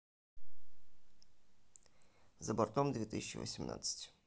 за бортом две тысячи восемнадцать